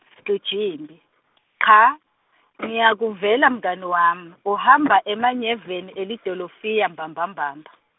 Cijimphi, cha, ngiyakuvela mngani wami, uhamba emanyeveni elidolofiya mbamba mbamba.